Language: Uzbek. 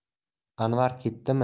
anvar ketdimi